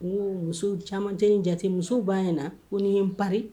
Ko muso caman jate musow b'a ɲɛna na ko nin ye n ba